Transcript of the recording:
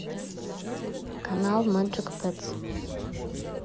канал мэджик петс